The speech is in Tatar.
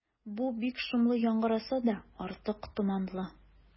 Бу бик шомлы яңгыраса да, артык томанлы.